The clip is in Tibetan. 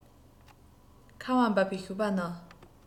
ཁ བ བབས པའི ཞོགས པ ནི